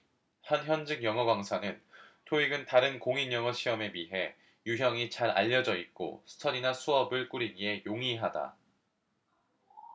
한 현직 영어강사는 토익은 다른 공인영어시험에 비해 유형이 잘 알려져 있고 스터디나 수업을 꾸리기에 용이하다